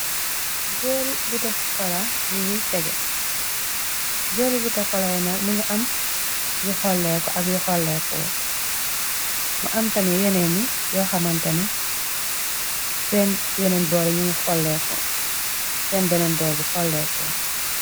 Joori bitakola nuge tegeh joori bitakola ye nak më ngi am yu xoleeko ak yu xolleeko woot mo am tame yeneeni yoo xamantene sn yeneen boore ñi ngi xolleeko seen beneen boor bi xolleeko wot.